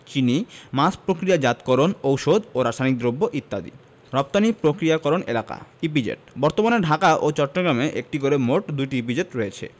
চিনি মাছ প্রক্রিয়াজাতকরণ ঔষধ ও রাসায়নিক দ্রব্য ইত্যাদি রপ্তানি প্রক্রিয়াকরণ এলাকাঃ ইপিজেড বর্তমানে ঢাকা ও চট্টগ্রামে একটি করে মোট ২টি ইপিজেড রয়েছে